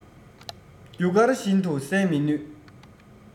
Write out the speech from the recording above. རྒྱུ སྐར བཞིན དུ གསལ མི ནུས